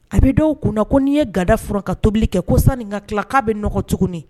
A bɛ dɔw kunna ko n'i ye gada furan ka tobili kɛ ko sani ŋa tila k'a bɛ nɔgɔ tuguni